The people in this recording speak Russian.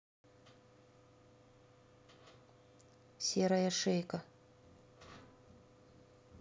серая шейка